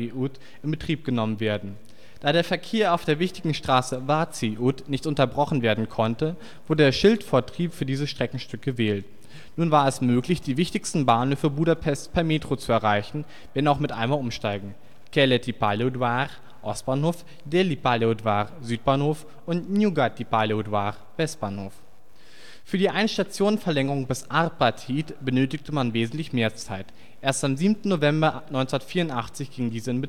út in Betrieb genommen werden. Da der Verkehr auf der wichtigen Straße Váci út nicht unterbrochen werden konnte, wurde der Schildvortrieb für dieses Streckenstück gewählt. Nun war es möglich, die wichtigsten Bahnhöfe Budapests per Metro zu erreichen, wenn auch mit einmal Umsteigen. (Keleti pályaudvar (Ostbahnhof), Déli pályaudvar (Südbahnhof) und Nyugati pályaudvar (Westbahnhof)). Für die Ein-Stationen-Verlängerung bis Árpád híd benötigte man wesentlich mehr Zeit – erst am 7. November 1984 ging diese in Betrieb